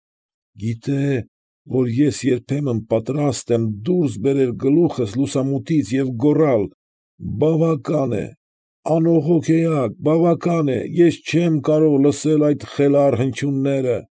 Գիտե՞, որ ես երբեմն պատրաստ եմ դուրս բերել գլուխս լուսամուտից և գոռալ. ֊ բավական է, անողոք էակ, բավական է, ես չեմ կարող լսել այդ խելառ հնչյունները։